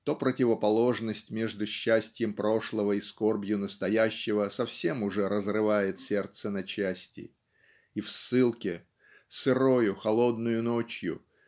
то противоположность между счастьем прошлого и скорбью настоящего совсем уже разрывает сердце на части. И в ссылке сырою холодною ночью